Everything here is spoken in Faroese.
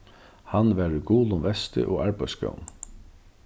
hann var í gulum vesti og arbeiðsskóm